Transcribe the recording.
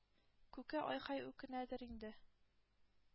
Күке ай-һай үкенәдер инде,